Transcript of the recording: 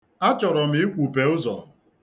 Achọrọ m ikwupe ụzọ.